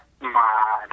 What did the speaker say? mà